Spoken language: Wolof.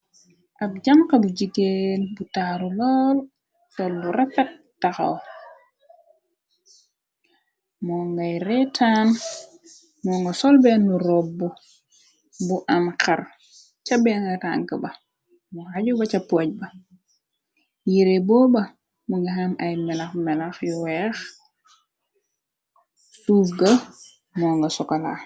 ab jànxa bu jigeen bu taaru lool sollu rakat taxaw moo ngay rëetaan moo nga solbennu robb bu am xar ca beng tank ba mu xajuba ca poj ba yire booba mu nga xam ay melax melax yu weex tuufga moo nga sokola.